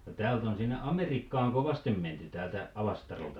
no täältä on sinne Amerikkaan kovasti menty täältä Alastarolta